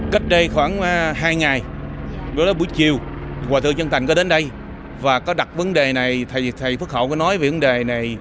cách đây khoảng hai ngày đó là buổi chiều hòa thượng nhơn thành có đến đây và có đặt vấn đề này thầy thầy phước hậu có nói vấn đề này